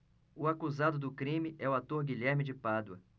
o acusado do crime é o ator guilherme de pádua